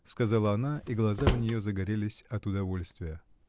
— сказала она, и глаза у нее загорелись от удовольствия.